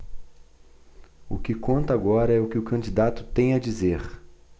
o que conta agora é o que o candidato tem a dizer